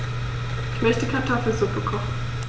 Ich möchte Kartoffelsuppe kochen.